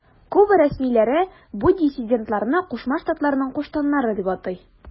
Куба рәсмиләре бу диссидентларны Кушма Штатларның куштаннары дип атый.